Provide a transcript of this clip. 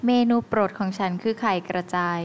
เมนูโปรดของฉันคือไข่กระจาย